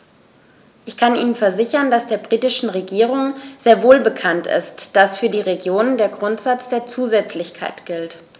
Ich kann Ihnen versichern, dass der britischen Regierung sehr wohl bekannt ist, dass für die Regionen der Grundsatz der Zusätzlichkeit gilt.